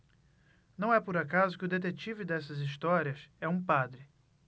não é por acaso que o detetive dessas histórias é um padre